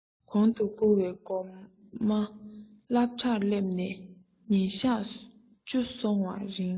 གོང དུ བསྐུར བའི སྒོར མ སློབ གྲྭར སླེབས ནས ཉིན གཞག བཅུ སོང བའི རིང